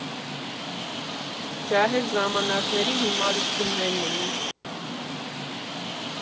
Ջահել ժամանակների հիմարություններն էին։